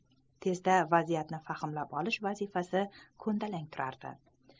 tezda vaziyatni fahmlab olish vazifasi ko'ndalang turar edi